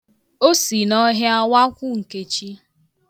O si n' ọhịa wakwụ Nkechi.